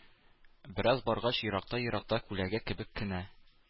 Бераз баргач, еракта-еракта күләгә кебек кенә